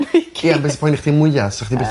Ie ond be' sy poeni chdi mwya 'sach chdi byth...